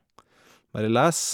Bare lese.